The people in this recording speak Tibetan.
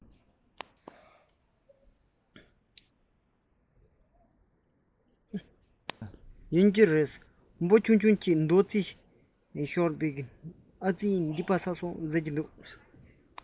ཡིན གྱི རེད འབུ ཆུང ཆུང ཅིག རྡོག རྫིས ཤོར ནའི ཨ རྩི སྡིག པ བསགས སོང ཟེར གྱི འདུག